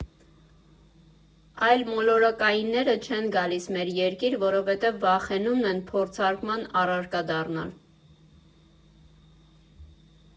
Այլմոլորակայինները չեն գալիս մեր երկիր, որովհետև վախենում են փորձարկման առարկա դառնալ։